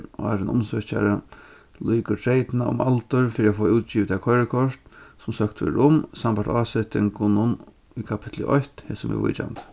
áðrenn umsøkjara lýkur treytina um aldur fyri at fáa útgivið tað koyrikort sum søkt verður um sambært ásetingunum í kapitli eitt hesum viðvíkjandi